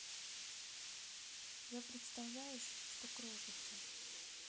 я представляешь что кружится